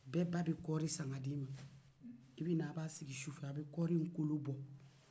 bɛɛ ba bɛ kɔɔri san ka d'i ma i bɛ na a b'a sigi su fɛ a bɛ kɔɔri kolo bɔ